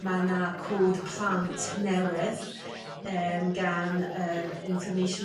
mae 'na cod plant newydd yym gan yr information